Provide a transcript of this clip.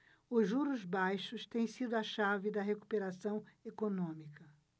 os juros baixos têm sido a chave da recuperação econômica